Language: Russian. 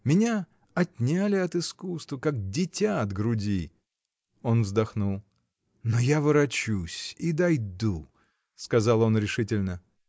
Меня отняли от искусства, как дитя от груди. — Он вздохнул. — Но я ворочу и дойду! — сказал он решительно.